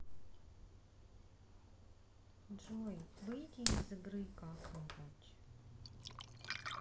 джой выйди из игры как нибудь